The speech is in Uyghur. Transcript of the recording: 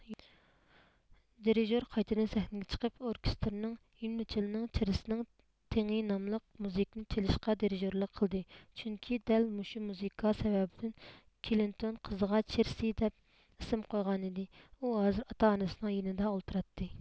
دىرىژور قايتىدىن سەھنىگە چىقىپ ئوركېستىرنىڭ يۈنمىچلنىڭ چىرىسنىڭ تېڭى ناملىق مۇزىكىنى چېلىشىغا دىرىژورلۇق قىلدى چۈنكى دەل مۇشۇ مۇزىكا سەۋەبىدىن كلىنتون قىزىغا چىرسىي دەپ ئىسىم قويغانىدى ئۇ ھازىر ئاتا ئانىسىنىڭ يېنىدا ئولتۇراتتى